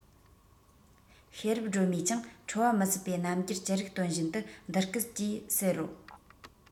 ཤེས རབ སྒྲོལ མས ཀྱང ཁྲོ བ མི ཟད པའི རྣམ འགྱུར ཅི རིགས སྟོན བཞིན དུ འདི སྐད ཅེས ཟེར རོ